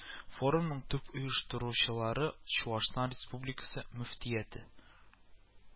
Форумның төп оештыручылары Чуашстан Республикасы мөфтияте